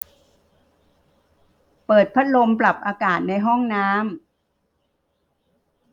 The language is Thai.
เปิดพัดลมปรับอากาศในห้องน้ำ